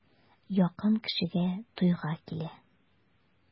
Якын кешегә туйга килә.